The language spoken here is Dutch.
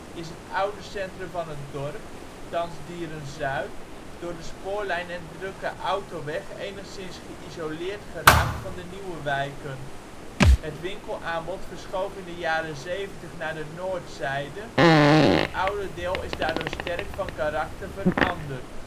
is het oude centrum van het dorp (thans Dieren-zuid) door de spoorlijn en drukke autoweg enigszins geïsoleerd geraakt van de nieuwe wijken. Het winkelaanbod verschoof in de jaren zeventig naar de noordzijde en het oude deel is daardoor sterk van karakter veranderd